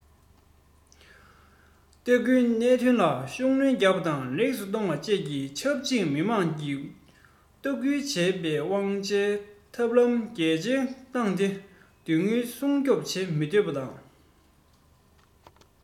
ལྟ སྐུལ ལས དོན ལ ཤུགས སྣོན རྒྱག པ དང ལེགས སུ གཏོང བ དང ཆབས ཅིག མི དམངས ཀྱིས ལྟ སྐུལ བྱེད པའི དབང ཆའི ཐབས ལམ རྒྱ ཆེར བཏང སྟེ རུལ སུངས བྱེད མི འདོད པ དང